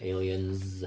Aliens.